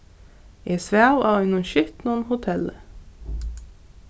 eg svav á einum skitnum hotelli